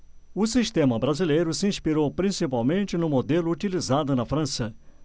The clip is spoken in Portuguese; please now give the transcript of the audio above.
o sistema brasileiro se inspirou principalmente no modelo utilizado na frança